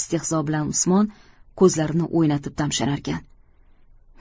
istehzo bilan usmon ko'zlarini o'ynatib tamshanarkan